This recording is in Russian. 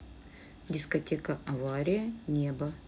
дискотека авария небо